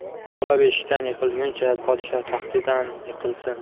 bola beshikdan yiqilguncha podsho taxtidan yiqilsin